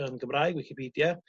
yn Gymraeg Wicipidia